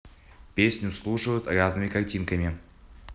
песню слушают разными картинками